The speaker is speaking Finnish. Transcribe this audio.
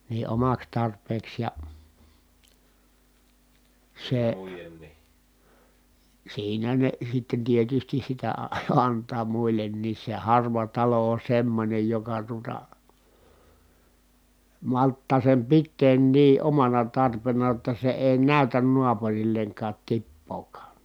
niin omaksi tarpeeksi ja se siinä ne sitten tietysti sitä - antaa muillekin se harva talo on semmoinen joka tuota malttaa sen pitää niin omana tarpeena jotta se ei näytä naapurilleenkaan tippaakaan